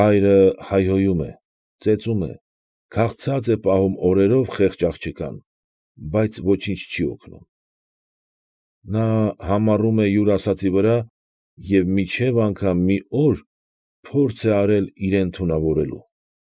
Հայրը հայհոյում է, ծեծում է, քաղցած է պահում օրերով խեղճ աղջկան, բայց ոչինչ չի օգնում, նա համառում է յուր ասածի վրա և մինչև անգամ մի օր փորձ է արել իրեն թունավորելու։